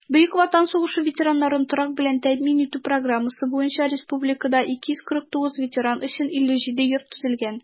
Бөек Ватан сугышы ветераннарын торак белән тәэмин итү программасы буенча республикада 249 ветеран өчен 57 йорт төзелгән.